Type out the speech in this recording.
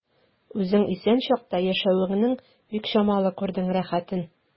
Үзең исән чакта яшәвеңнең бик чамалы күрдең рәхәтен.